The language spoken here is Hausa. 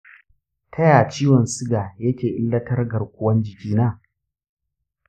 ta ya ciwon siga yake illatar garguwan jiki na?